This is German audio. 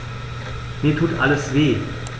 Mir tut alles weh.